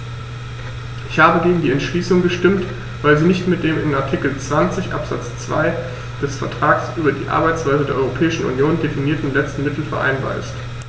Ich habe gegen die Entschließung gestimmt, weil sie nicht mit dem in Artikel 20 Absatz 2 des Vertrags über die Arbeitsweise der Europäischen Union definierten letzten Mittel vereinbar ist.